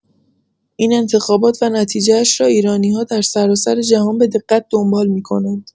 این انتخابات و نتیجه‌اش را ایرانی‌‌ها در سراسر جهان به‌دقت دنبال می‌کنند.